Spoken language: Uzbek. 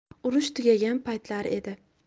urush tugagan paytlar edi